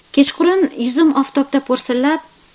kechqurun yuzim oftobda po'rsillab